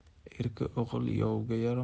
erka o'g'il yovga